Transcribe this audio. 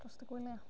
Dros y gwyliau.